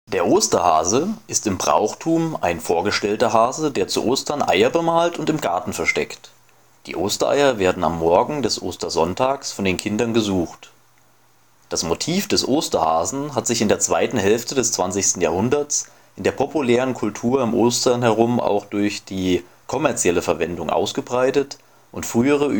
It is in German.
Der Osterhase ist im Brauchtum ein vorgestellter Hase, der zu Ostern Eier bemalt und im Garten versteckt. Die Ostereier werden am Morgen des Ostersonntags von den Kindern gesucht. Das Motiv des Osterhasen hat sich in der zweiten Hälfte des 20. Jahrhunderts in der populären Kultur um Ostern herum auch durch die kommerzielle Verwendung ausgebreitet und frühere